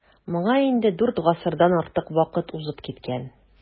Моңа инде дүрт гасырдан артык вакыт узып киткән.